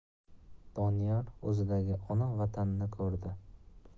doniyor o'zidagi ona vatanni ko'rdi